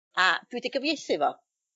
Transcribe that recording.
A dwi 'di gyfieithu fo.